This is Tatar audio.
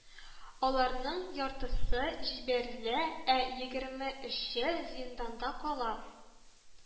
Аларның яртысы җибәрелә, ә егерме өче зинданда кала